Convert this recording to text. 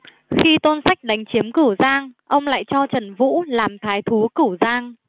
khi tôn sách đánh chiếm cửu giang ông lại cho trần vũ làm thái thú cửu giang